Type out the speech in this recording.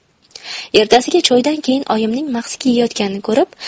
ertasiga choydan keyin oyimning mahsi kiyayotganini ko'rib